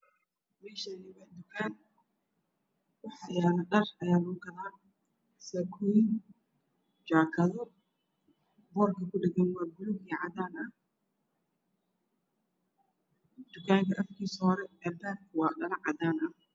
Me shan waa tukan waxa yaalodhar ayalagugadaa saakoyin jakadoborku kudhegan waa bulug iyo cadanah tukanka Afkise hore waa dhalocadan ah